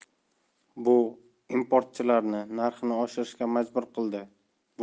bu importchilarni narxni oshirishga majbur qildi bu